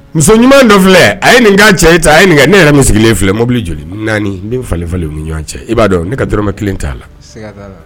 Muso ɲuman dɔ filɛ a ye nin ka cɛ ye a ye nin ne yɛrɛ min sigilen filɛ mobili joli naani falen falen ni ɲɔgɔn cɛ i b'a dɔn ne ka turama kelen t'a la